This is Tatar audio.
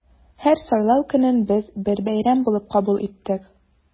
Һәр сайлау көнен без бер бәйрәм булып кабул иттек.